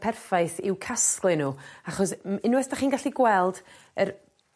perffaith i'w casglu n'w achos m- unwaith 'dach chi'n gallu gweld yr